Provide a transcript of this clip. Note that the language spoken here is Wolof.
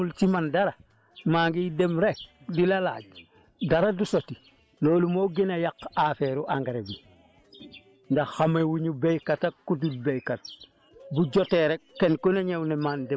waaw li ma yeyoo mais nag boo xamul ci man dara maa ngi dem rek di la laaj dara du sotti loolu moo gën a yàq affaire engrais bi ndax xàmmewuénu béykat ak ku dul béykat